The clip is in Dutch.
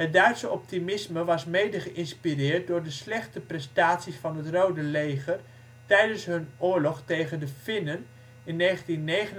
Duitse optimisme was mede geïnspireerd door de slechte prestaties van het Rode Leger tijdens hun oorlog tegen de Finnen in 1939-1940